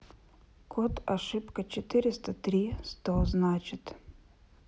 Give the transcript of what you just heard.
код ошибка четыреста три сто значит